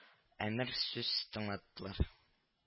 Әмер сүз тыңлаттылар